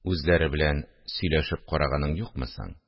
– үзләре белән сөйләшеп караганың юкмы соң